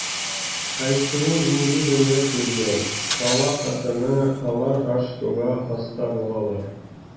Айсылу җиңги дөнья күргән, кала хатыны, алар аш-суга оста булалар.